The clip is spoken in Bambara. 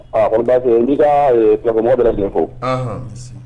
Kɔni' fɛ n' kak bɛ bulon fɔ